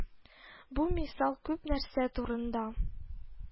Бу мисал күп нәрсә турында